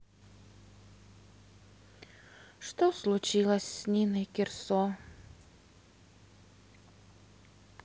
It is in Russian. что случилось с ниной кирсо